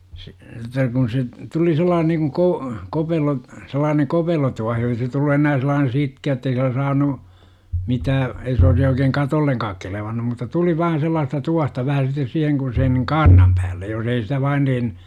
se että kun se tuli sellainen niin kuin -- sellainen kopelotuohi ei se tullut enää sellainen sitkeä että ei sillä saanut mitään ei se olisi oikein katollekaan kelvannut mutta tuli vain sellaista tuohta vähän sitten siihen kun se niin kaarnan päälle jos ei sitä vain niin